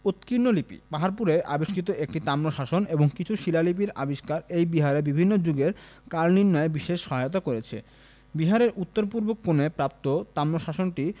উৎকীর্ণ লিপি পাহাড়পুরে আবিষ্কৃত একটি তাম্রশাসন এবং কিছু শিলালিপির আবিষ্কার এই বিহারের বিভিন্ন যুগের কাল নির্ণয়ে বিশেষ সহায়তা করেছে বিহারের উত্তর পূর্ব কোণে প্রাপ্ত তাম্রশাসনটি